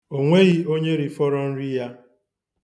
O nweghị onye rifọrọ nri ya.